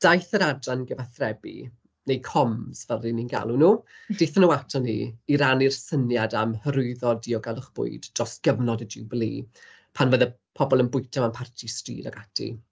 Daeth yr adran gyfathrebu, neu coms fel ry'n ni'n galw nhw, daethon nhw aton ni i rannu'r syniad am hyrwyddo diogelwch bwyd dros gyfnod y Jiwbili, pan fydde pobl yn bwyta mewn parti stryd ac ati.